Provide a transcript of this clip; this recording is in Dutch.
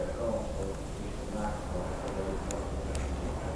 Callantsoog het eerste naaktstrand van Nederland gelegaliseerd